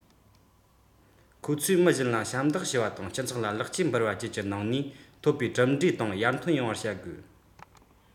ཁོ ཚོས མི གཞན ལ ཞབས འདེགས ཞུ བ དང སྤྱི ཚོགས ལ ལེགས སྐྱེས འབུལ བ བཅས ཀྱི ནང ནས ཐོབ པའི གྲུབ འབྲས དང ཡར ཐོན ཡོང བར བྱ དགོས